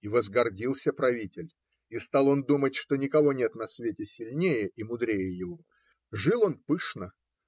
И возгордился правитель, и стал он думать, что никого нет на свете сильнее и мудрее его. Жил он пышно